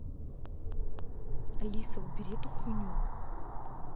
алиса убери эту хуйню